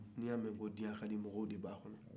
n'i y'a mɛ ko diɲɛ ka di mɔgɔw de b'a kɔnɔ